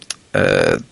yy